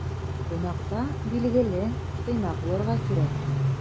Кунакта, билгеле, тыйнак булырга кирәк.